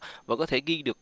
và có thể ghi được